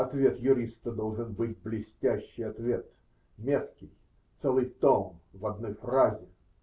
Ответ юриста должен быть блестящий ответ. Меткий. Целый том в одной фразе!